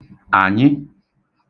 ànyị